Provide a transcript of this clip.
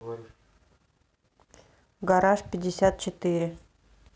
гараж пятьдесят четыре